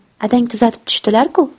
adang tuzatib tushdilar ku